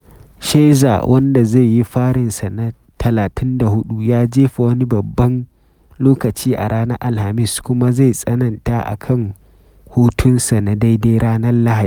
Scherzer, wanda zai yi farinsa na 34, ya jefa wani babban lokaci a ranar Alhamis kuma zai tsananta a kan hutunsa na daidai ranar Lahadi.